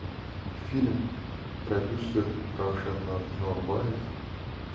film prodyuseri ravshan norbayev